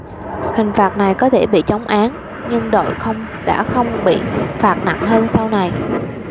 hình phạt này có thể bị chống án nhưng đội không đã không bị phạt nặng hơn sau này